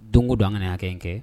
Donko don an kaya kɛ in kɛ